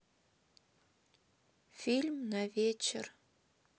фильм на вечер